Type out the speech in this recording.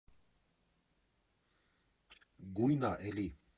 Գույն ա էլի։